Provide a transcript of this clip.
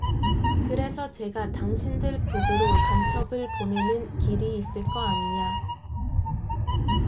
그래서 제가 당신들 북으로 간첩 보내는 길이 있을 거 아니냐